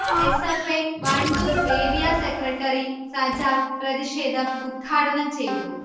S. F. I. Wandoor area secretary Sajad പ്രതിഷേധം ഉദ്ഘാടനം ചെയ്തു